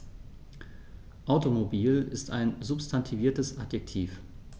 Automobil ist ein substantiviertes Adjektiv.